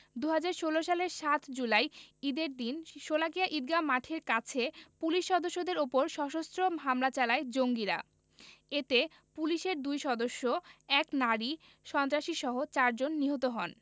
২০১৬ সালের ৭ জুলাই ঈদের দিন শোলাকিয়া ঈদগাহ মাঠের কাছে পুলিশ সদস্যদের ওপর সশস্ত্র হামলা চালায় জঙ্গিরা এতে পুলিশের দুই সদস্য এক নারী সন্ত্রাসীসহ চারজন নিহত হন